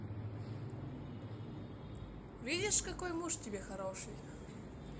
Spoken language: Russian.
видишь какой муж тебе хороший